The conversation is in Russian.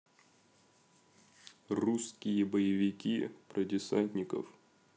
русские боевики про десантников